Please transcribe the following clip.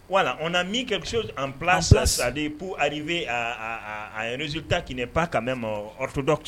Wala o na min kɛ bɛ anlala sa dep ani bɛ zouru tak ba ka mɛn mɔgɔ orto dɔ ci